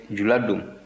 jula don